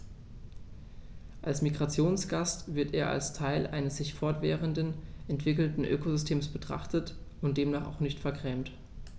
Als Migrationsgast wird er als Teil eines sich fortwährend entwickelnden Ökosystems betrachtet und demnach auch nicht vergrämt.